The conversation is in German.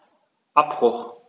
Abbruch.